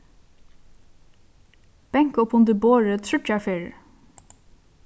banka upp undir borðið tríggjar ferðir